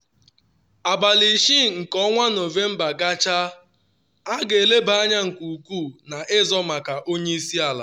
“Nọvemba 6 gachaa, A ga-elebe anya nke ukwuu n’ịzọ maka onye isi ala.”